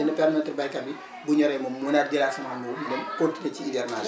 dina permettre béykat bi bu ñoree mu mënaat jëlaat semence boobu dem continuer ci hivernage